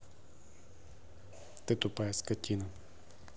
ты тупая скотина